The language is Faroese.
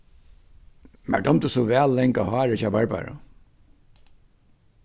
mær dámdi so væl langa hárið hjá barbaru